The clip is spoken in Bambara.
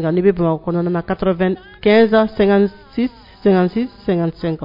kan ni bɛ bamakɔ kɔnɔnasen